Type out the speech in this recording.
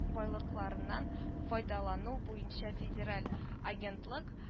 Байлыкларыннан файдалану буенча федераль агентлык